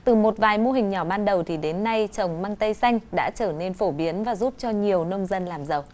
từ một vài mô hình nhỏ ban đầu thì đến nay trồng măng tây xanh đã trở nên phổ biến và giúp cho nhiều nông dân làm giàu